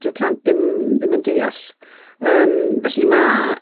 dyw'r plant ddim ddim yn deall yym felly ma'